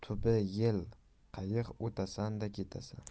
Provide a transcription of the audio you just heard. qayiq o'tasan da ketasan